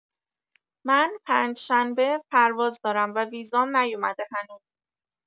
من پنجشنبه پرواز دارم و ویزام نیومده هنوز